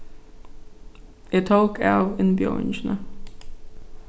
eg tók av innbjóðingini